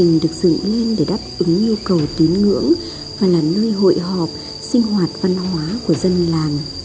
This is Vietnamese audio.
đình được dựng nên để đáp ứng nhu cầu tín ngưỡng và là nơi hội họp sinh hoạt văn hóa của dân làng